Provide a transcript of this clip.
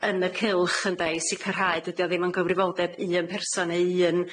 yn y cylch, ynde? I sicrhau dydi o ddim yn gyfrifoldeb un person ne un